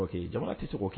Jama tɛ sogo